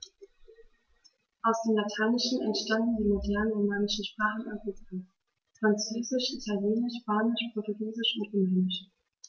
Aus dem Lateinischen entstanden die modernen „romanischen“ Sprachen Europas: Französisch, Italienisch, Spanisch, Portugiesisch und Rumänisch.